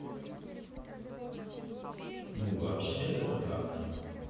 ну вообще это правда